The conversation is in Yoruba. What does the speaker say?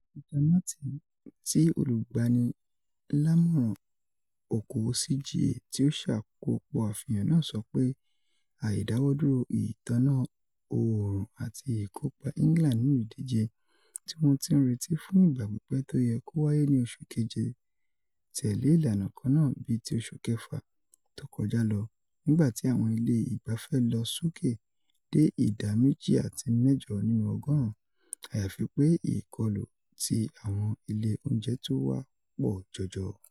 Peter Martin, tí Olùgbanilámọ̀ràn okòwò CGA, tí ó ṣàkópọ̀ àfihàn náà, sọ pé: "Àídáwọ́dúró ìtàná òórùn àti ìkópa England nínú ìdíje tí wọ́n ti ń retí fún ìgbà pípẹ́ tó yẹ kó wáyé ní oṣù kejè tẹ̀lé ìlànà kanáà bíì ti oṣù kẹfà tó kọjá lọ, nígbà tí àwọn ilé ìgbafẹ́ lọ sókè dé ìda 2.8 nínú ọgọ́ọ̀rún, àyàfi pé ìkọlù ti àwọn ilé óùnjẹ tún wá pọ̀ jọjọ.